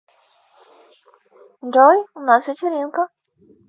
джой у нас вечеринка